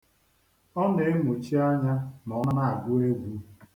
Ọ na-emuchi anya ma ọ na-agụ egwu.